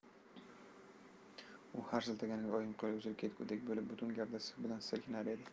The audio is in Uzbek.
u har siltaganda oyim qo'li uzilib ketgudek bo'lib butun gavdasi bilan silkinar edi